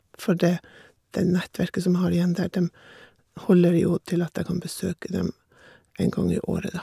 For det det nettverket som jeg har igjen der, dem holder jo til at jeg kan besøke dem en gang i året, da.